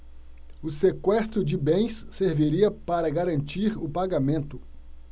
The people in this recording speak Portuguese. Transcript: o sequestro de bens serviria para garantir o pagamento